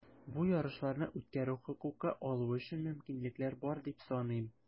Бу ярышларны үткәрү хокукы алу өчен мөмкинлекләр бар, дип саныйм.